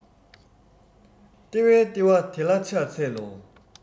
ལྟེ བའི ལྟེ བ དེ ལ ཕྱག འཚལ ལོ